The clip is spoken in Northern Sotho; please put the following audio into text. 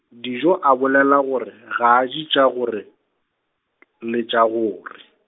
Dijo a bolela gore, ga a je tša gore , le tša gore.